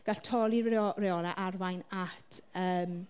Gall torri'r reo- reolau arwain at yym...